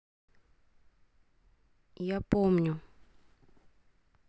я помню